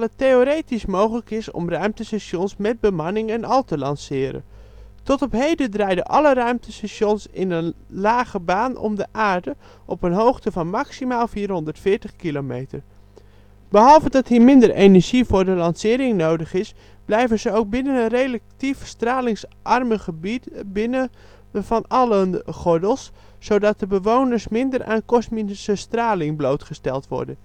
theoretisch mogelijk is om ruimtestations met bemanning en al te lanceren. Tot op heden draai (d) en alle ruimtestations in een lage baan om de aarde, op een hoogte van maximaal 440 kilometer. Behalve dat hier minder energie voor de lancering nodig is blijven ze ook binnen het relatief stralingsarme gebied binnen de Van Allen Gordels, zodat de bewoners minder aan kosmische straling blootgesteld worden